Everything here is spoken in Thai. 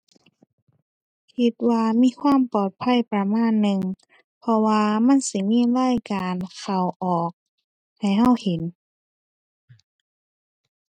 คิดว่ามีความปลอดภัยประมาณหนึ่ง เพราะว่ามันสิมีรายการเข้าออกให้เราเห็น